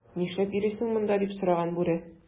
"нишләп йөрисең монда,” - дип сораган бүре.